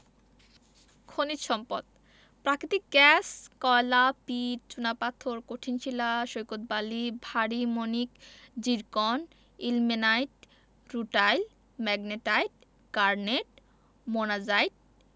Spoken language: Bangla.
খনিজ সম্পদঃ প্রাকৃতিক গ্যাস কয়লা পিট চুনাপাথর কঠিন শিলা সৈকত বালি ভারি মণিক zircon ilmenite rutile magnetite garnet monazite